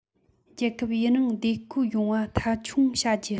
རྒྱལ ཁབ ཡུན རིང བདེ འཁོད ཡོང བ མཐའ འཁྱོངས བྱ རྒྱུ